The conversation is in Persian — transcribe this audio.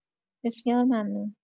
بسیار ممنون.